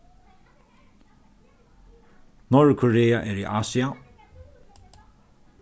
norðurkorea er í asia